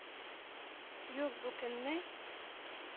Юк, бу көнне,